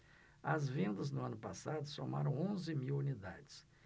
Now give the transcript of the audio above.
as vendas no ano passado somaram onze mil unidades